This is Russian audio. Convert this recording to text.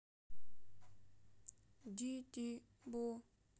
ди ди бо